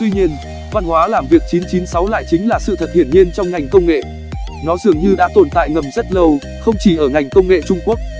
tuy nhiên văn hóa làm việc lại chính là sự thật hiển nhiên trong ngành công nghệ nó dường như đã tồn tại ngầm rất lâu không chỉ ở ngành công nghệ trung quốc